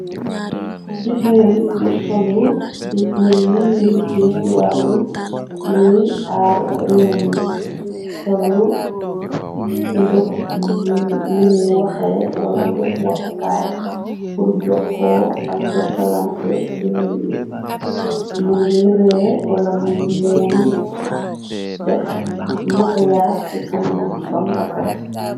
jugeen ju solu di menni ñu liggéey wàllu ngiy aar réew mi solu ngëpp luñuy waxe wala ngëpp waxukaay pur jokkoo ak jokkalante ci ma ngi ree wala ma ngi muuñ def maka yaag ci kana man bam raxat